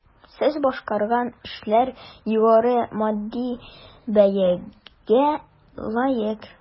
Сез башкарган эшләр югары матди бәягә лаек.